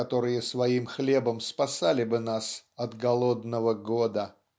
которые своим хлебом спасали бы нас от голодного года.